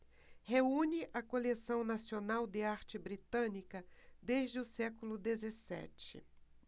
reúne a coleção nacional de arte britânica desde o século dezessete